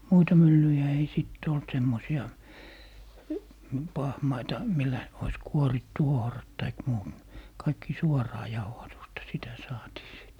muita myllyjä ei sitten ollut semmoisia pahmaita millä olisi kuorittu ohrat tai muut kaikki suoraa jauhatusta sitä saatiin sitten